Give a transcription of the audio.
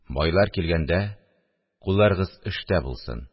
– байлар килгәндә, кулларыгыз эштә булсын